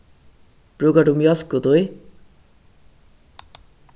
brúkar tú mjólk útí